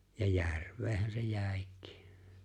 ja järveenhän se jäikin